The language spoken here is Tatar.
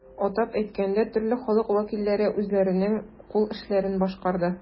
Атап әйткәндә, төрле халык вәкилләре үзләренең кул эшләрен башкарды.